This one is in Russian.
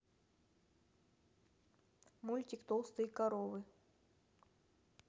мультик толстые коровы